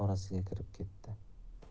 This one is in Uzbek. orasiga kirib ketdi